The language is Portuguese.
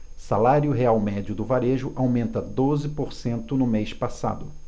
salário real médio do varejo aumenta doze por cento no mês passado